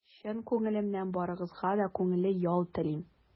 Чын күңелемнән барыгызга да күңелле ял телим!